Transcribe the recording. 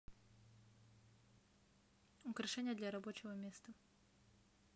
украшение для рабочего места